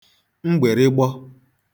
mgbị̀rịgbọ